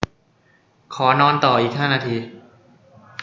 ขอนอนต่ออีกห้านาที